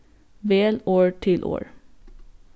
vel orð til orð